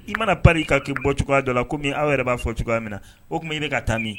I mana pa i ka k'i bɔ cogoya dɔ la kɔmi min aw yɛrɛ b'a fɔ cogoya min na o tuma ye ne ka taa min